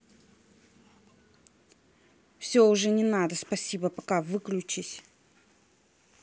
все уже не надо спасибо пока выключись